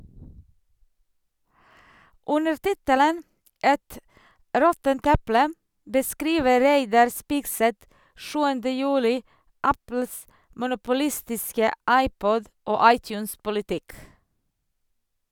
Under tittelen «Et råttent eple» beskriver Reidar Spigseth 7. juli Apples monopolistiske iPod- og iTunes-politikk.